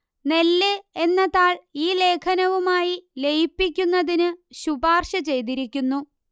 നെല്ല് എന്ന താൾ ഈ ലേഖനവുമായി ലയിപ്പിക്കുന്നതിന് ശുപാർശ ചെയ്തിരിക്കുന്നു